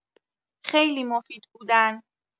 خیلی مفید بودن